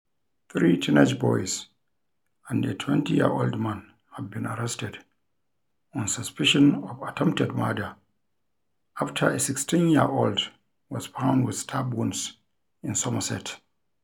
Three teenage boys and a 20-year-old man have been arrested on suspicion of attempted murder after a 16-year-old was found with stab wounds in Somerset.